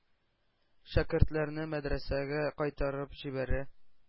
Шәкертләрне мәдрәсәгә кайтарып җибәрә.